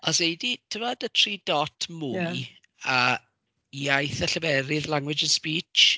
Os ei di, timod y tri dot Mwy... ie. ...a Iaith a Lleferydd language and speech.